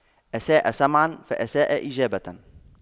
أساء سمعاً فأساء إجابة